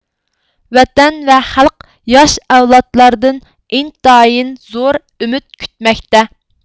ۋەتەن ۋە خەلق ياش ئەۋلادلاردىن ئىنتايىن زور ئۈمىد كۈتمەكتە